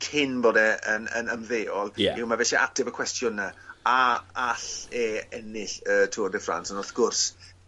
cyn bod e yn yn ymddeol... Ie. ...yw ma' fe isie ateb y cwestiwn 'na a a ll e ennill y Tour de France on' wrth gwrs